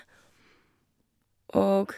Og...